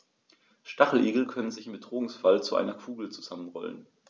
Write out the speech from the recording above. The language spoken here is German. Stacheligel können sich im Bedrohungsfall zu einer Kugel zusammenrollen.